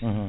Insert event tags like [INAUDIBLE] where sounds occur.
[HESITATION] [HESITATION]